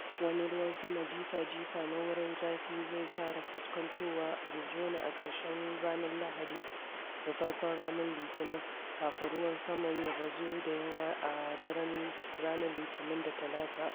Wani ruwan sama jifa-jifa na wurin zafi zai fara fuskantowa Arizona a ƙarshen ranar Lahadi da farkon ranar Litinin, kafin ruwan saman ya bazu da yawa a daren ranar Litinin da Talata.